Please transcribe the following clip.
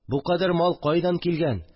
Бу кадәр мал кайдан килгән